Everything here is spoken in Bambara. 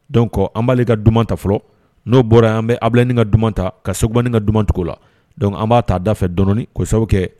Don kɔ an b'aale ka dumanuma ta fɔlɔ n'o bɔra an bɛ abilani ka duman ta ka segubanini ka dumanumacogo la dɔnku an b'a ta da fɛ dɔɔnini sababu kɛ